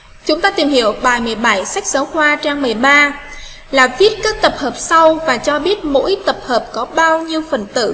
chúng ta tìm hiểu bài sách giáo khoa trang lập viết các tập hợp sau và cho biết mỗi tập hợp có bao nhiêu phần tử